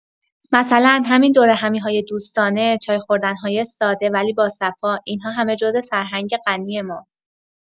مثلا همین دورهمی‌های دوستانه، چای خوردن‌های ساده ولی باصفا، این‌ها همه جزو فرهنگ غنی ماست.